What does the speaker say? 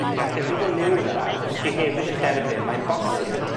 'ych chi'n ga'l chydig o liw yn yr ardd, ond chi hefyd yn derbyn mae'n bosib